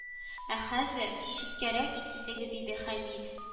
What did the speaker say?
Ә хәзер читкәрәк китегез диде хәмит